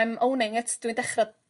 Im' owning it dw i'n dechra